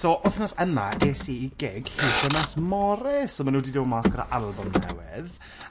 So, wthnos yma es i gig HMS Morris a ma' nhw 'di dod mas gyda albwm newydd.